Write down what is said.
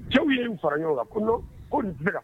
Cɛw ye nin fara ɲɔgɔn kan ko ko nin bɛ